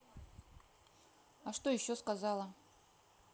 а что еще сказала